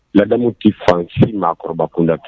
Ladamu tɛ fan si maakɔrɔbakunda